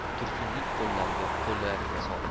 tursunning qo'llariga soldi